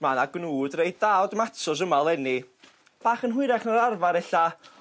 Ma' 'na gnwd reit dda o domatos yma leni. Bach yn hwyrach na'r arfar ella